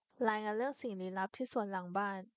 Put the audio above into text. รายงานเรื่องสิ่งลี้ลับที่สวนหลังบ้าน